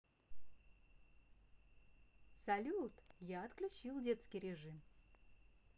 салют я отключил детский режим